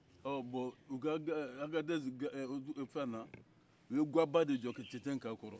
ɔ bɔn eee eee eee agadɛzi fɛn na o ye gaba de jɔ ka cɛncɛn kɛ kɔrɔ